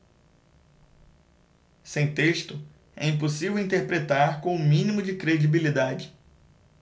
sem texto é impossível interpretar com o mínimo de credibilidade